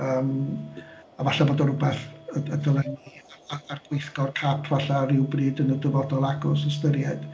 Yym a falle bod o'n rywbeth y y dylen ni a'r gweithgor CAP falle rywbryd yn y dyfodol agos ystyried.